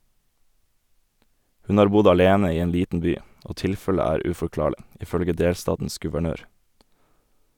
Hun har bodd alene i en liten by , og tilfellet er uforklarlig , ifølge delstatens guvernør.